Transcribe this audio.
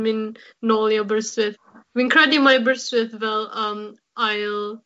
mynd nôl i Aberystwyth. Fi'n credu mai Aberystwyth fel yym ail